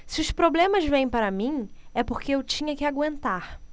se os problemas vêm para mim é porque eu tinha que aguentar